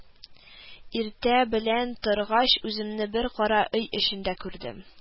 Иртә белән торгач, үземне бер кара өй эчендә күрдем